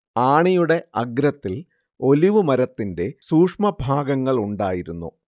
ആണിയുടെ അഗ്രത്തിൽ ഒലീവ് മരത്തിന്റെ സൂക്ഷ്മഭാഗങ്ങളുണ്ടായിരുന്നു